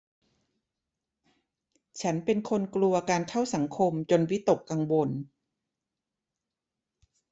ฉันเป็นคนกลัวการเข้าสังคมจนวิตกกังวล